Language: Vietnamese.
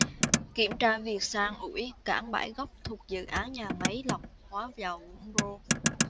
kiểm tra việc san ủi cảng bãi gốc thuộc dự án nhà máy lọc hóa dầu vũng rô